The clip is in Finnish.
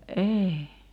ei